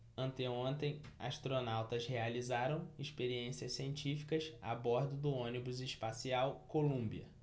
anteontem astronautas realizaram experiências científicas a bordo do ônibus espacial columbia